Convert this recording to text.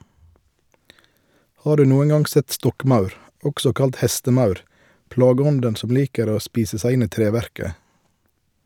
Har du noen gang sett stokkmaur, også kalt hestemaur, plageånden som liker å spise seg inn i treverket?